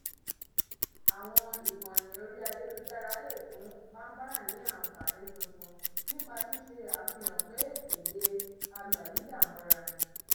Àwọn ìkànnì orí ayélujára lè fún Bambara ní àǹfààní tuntun nípa ṣíṣe àfihàn pé èdè agbàyídàmọ́ra ni.